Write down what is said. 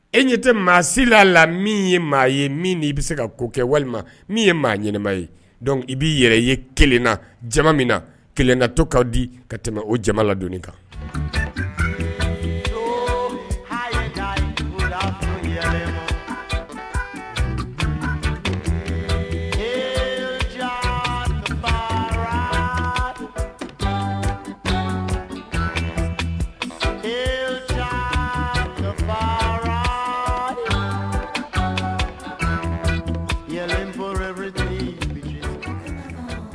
E ɲɛ tɛ maasi la la min ye maa ye min i bɛ se ka ko kɛ walima min ye maa ɲɛnɛma ye i b'i yɛrɛ ye kelen na jama min na kelen ka to ka di ka tɛmɛ o jama ladoni kan